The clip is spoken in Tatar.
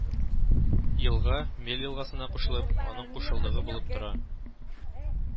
Елга Мель елгасына кушылып, аның кушылдыгы булып тора